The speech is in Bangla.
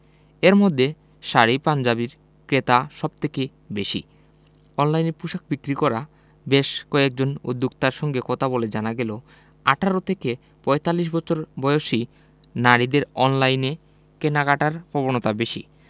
এর মধ্যে শাড়ি পাঞ্জাবির ক্রেতা সব থেকে বেশি অনলাইনে পোশাক বিক্রি করা বেশ কয়েকজন উদ্যোক্তার সঙ্গে কথা বলে জানা গেল ১৮ থেকে ৪৫ বছর বয়সী নারীদের অনলাইনে কেনাকাটার পবণতা বেশি